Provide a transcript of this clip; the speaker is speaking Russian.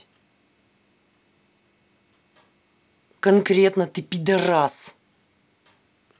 конкретно ты пидарас